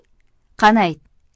qani ayt